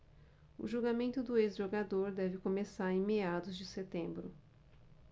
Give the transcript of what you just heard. o julgamento do ex-jogador deve começar em meados de setembro